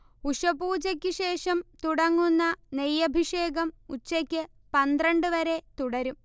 ഉഷഃപൂജക്കുശേഷം തുടങ്ങുന്ന നെയ്യഭിഷേകം ഉച്ചക്ക് പന്ത്രണ്ട് വരെ തുടരും